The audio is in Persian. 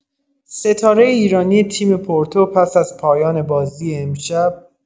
ستاره‌ایرانی تیم پورتو پس‌از پایان بازی امشب.